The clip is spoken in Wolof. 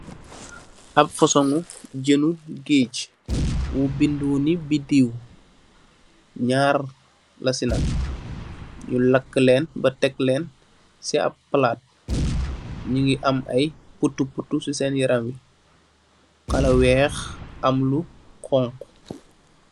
Ap fosong jeeni geeg bu bindu ni bidew naar lasi nak nu laka len beh tek len si ap palat nugi am ay potu potu si sen yaram yi xala weex mam lu xonxu.